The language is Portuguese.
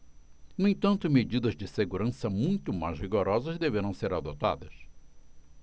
no entanto medidas de segurança muito mais rigorosas deverão ser adotadas